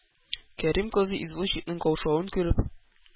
Кәрим казый, извозчикның каушавын күреп